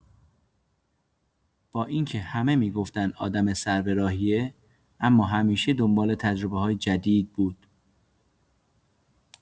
با اینکه همه می‌گفتن آدم سربراهیه، اما همیشه دنبال تجربه‌های جدید بود.